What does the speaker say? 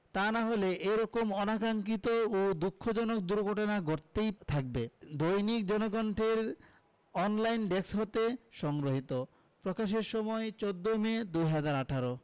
তা না হলে এ রকম অনাকাংক্ষিত ও দুঃখজনক দুর্ঘটনা ঘটতেই থাকবে দৈনিক জনকণ্ঠের অনলাইন ডেস্ক হতে সংগৃহীত প্রকাশের সময় ১৪ মে ২০১৮